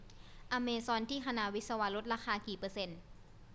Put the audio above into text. อเมซอนที่คณะวิศวะลดราคากี่เปอร์เซ็นต์